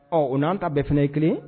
Ɔ u n'an ta bɛɛ f kelen